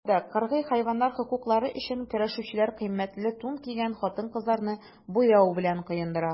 Ауропада кыргый хайваннар хокуклары өчен көрәшүчеләр кыйммәтле тун кигән хатын-кызларны буяу белән коендыра.